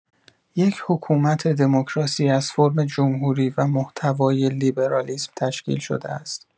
یک حکومت دموکراسی از فرم جمهوری و محتوای لیبرالیسم تشکیل شده است.